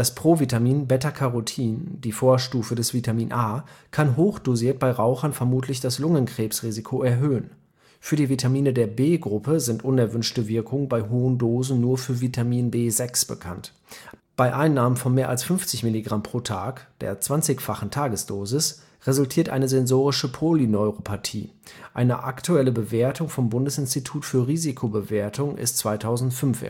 Provitamin Beta-Carotin (Vorstufe des Vitamin A) kann hochdosiert bei Rauchern vermutlich das Lungenkrebsrisiko erhöhen. Für die Vitamine der B-Gruppe (wasserlöslich) sind unerwünschte Wirkungen bei hohen Dosen nur für Vitamin B6 bekannt, bei Einnahme von mehr als 50 mg pro Tag – der zwanzigfachen Tagesdosis – resultiert eine sensorische Polyneuropathie. Eine aktuelle Bewertung vom Bundesinstitut für Risikobewertung ist 2005